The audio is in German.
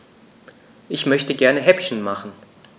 Ich möchte gerne Häppchen machen.